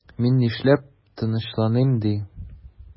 Мин нишләп тынычланыйм ди?